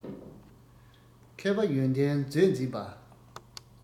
མཁས པ ཡོན ཏན མཛོད འཛིན པ